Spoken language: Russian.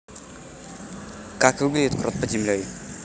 как выглядит крот под землей